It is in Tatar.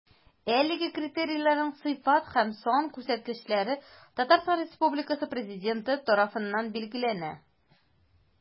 Әлеге критерийларның сыйфат һәм сан күрсәткечләре Татарстан Республикасы Президенты тарафыннан билгеләнә.